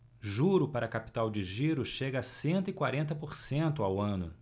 juro para capital de giro chega a cento e quarenta por cento ao ano